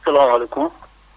salaamaaleykum